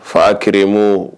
Fakimo